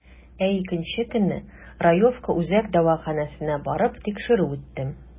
Ә икенче көнне, Раевка үзәк дәваханәсенә барып, тикшерү үттем.